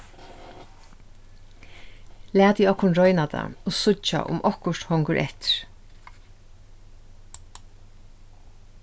latið okkum royna tað og síggja um okkurt hongur eftir